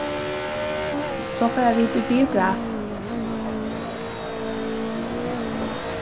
so fara vit í biograf